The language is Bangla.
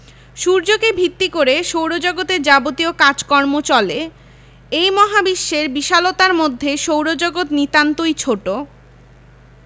সূর্যকে ভিত্তি করে সৌরজগতের যাবতীয় কাজকর্ম চলে এই মহাবিশ্বের বিশালতার মধ্যে সৌরজগৎ নিতান্তই ছোট